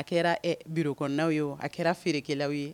A kɛra bureau kɔɔnɔnanw ye a kɛra feerekɛlaw